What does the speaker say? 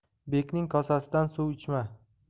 bekning kosasidan suv ichma